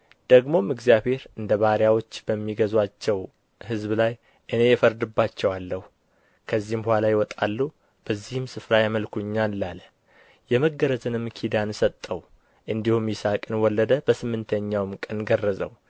ደግሞም እግዚአብሔር እንደ ባሪያዎች በሚገዙአቸው ሕዝብ ላይ እኔ እፈርድባቸዋለሁ ከዚህም በኋላ ይወጣሉ በዚህም ስፍራ ያመልኩኛል አለ የመገረዝንም ኪዳን ሰጠው እንዲሁም ይስሐቅን ወለደ በስምንተኛውም ቀን ገረዘው